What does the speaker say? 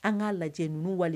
An k'a lajɛ ninnuun wale